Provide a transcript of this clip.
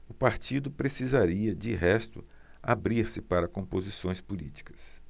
o partido precisaria de resto abrir-se para composições políticas